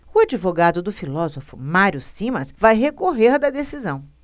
o advogado do filósofo mário simas vai recorrer da decisão